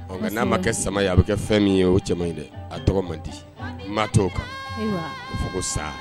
Ɔ nka n'a ma kɛ sama ye a bɛ kɛ fɛn min ye o cɛ ye dɛ a tɔgɔ man di n ma to o kan fo ko sa